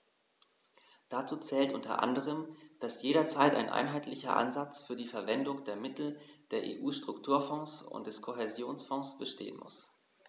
Dazu zählt u. a., dass jederzeit ein einheitlicher Ansatz für die Verwendung der Mittel der EU-Strukturfonds und des Kohäsionsfonds bestehen muss.